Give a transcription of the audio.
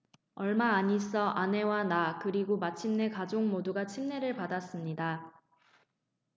얼마 안 있어 아내와 나 그리고 마침내 가족 모두가 침례를 받았습니다